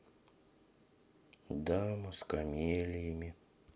дама с камелиями